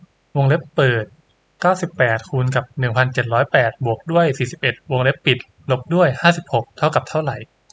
วงเล็บเปิดเก้าสิบแปดคูณกับหนึ่งพันเจ็ดร้อยแปดบวกด้วยสี่สิบเอ็ดวงเล็บปิดลบด้วยห้าสิบหกเท่ากับเท่าไหร่